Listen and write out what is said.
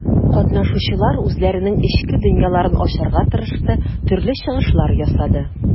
Катнашучылар үзләренең эчке дөньяларын ачарга тырышты, төрле чыгышлар ясады.